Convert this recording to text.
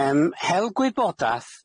Yym hel gwybodath